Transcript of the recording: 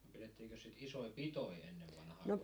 no pidettiinkös sitä isoja pitoja ennen vanhaan